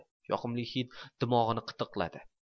yoqimli hid dimog'ini qitiqladi